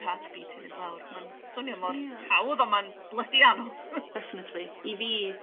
heart beat i mynd law'r ma'n swnio mor... Ia. ...hawdd on' ma'n blydi anodd. Definitely i fi